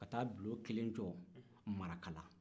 ka taa bulon kelen jɔ marakaa